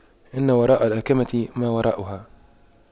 إن وراء الأَكَمةِ ما وراءها